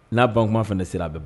N'a ban kuma fana ne sira a bɛɛ